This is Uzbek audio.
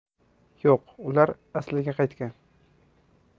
yo'q ular asliga qaytgan